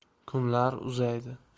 kunlar uzaydi